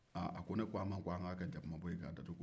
aa ko ne ko a man ko a k'a kɛ jakumabo ye k'a datugu